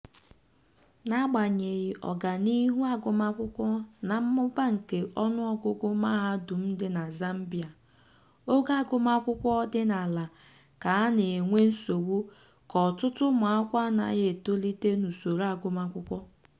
N'agbanyeghị ọganihu agụmakwụkwọ na mmụba nke ọnụọgụgụ mahadum dị na Zambia, ogo agụmakwụkwọ dị ala ka na-enwe nsogbu ka ọtụtụ ụmụakwụkwọ anaghị etolite n'usoro agụmakwụkwọ.